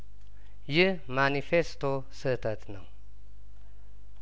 ይህ ማኒፌስቶ ስህተት ነው